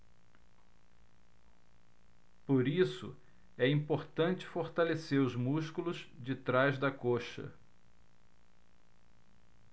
por isso é importante fortalecer os músculos de trás da coxa